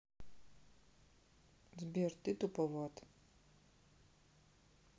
сбер ты туповат